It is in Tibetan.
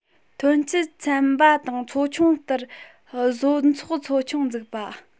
ཐོན སྐྱེད སྲིད འཛིན ཚན པ དང ཚོ ཆུང ལྟར བཟོ ཚོགས ཚོ ཆུང འཛུགས པ